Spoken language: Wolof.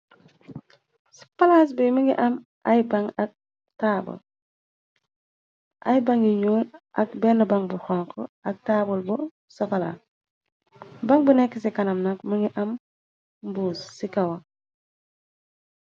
Ci palaas bi mi ngi am ay bang ak taabal ay bangi ñul ak benn bang bu xonk ak taabal bu sokala bang bu nekk ci kanam nag mi ngi am mbuos ci kawam.